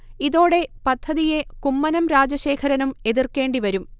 ഇതോടെ പദ്ധതിയെ കുമ്മനം രാജശേഖരനും എതിർക്കേണ്ടി വരും